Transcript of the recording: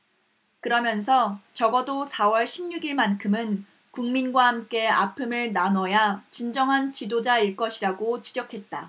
그러면서 적어도 사 월 십 육 일만큼은 국민과 함께 아픔을 나눠야 진정한 지도자일 것이라고 지적했다